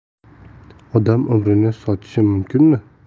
odam umrini sotishi mumkinmi